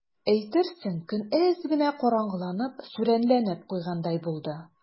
Әйтерсең, көн әз генә караңгыланып, сүрәнләнеп куйгандай булды.